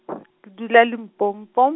ke dula Limpopo.